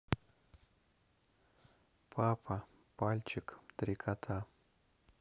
папа пальчик три кота